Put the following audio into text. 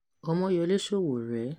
Omoyole Sowore